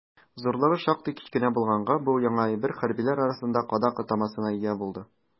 Зурлыгы шактый кечкенә булганга, бу яңа әйбер хәрбиләр арасында «кадак» атамасына ия булды.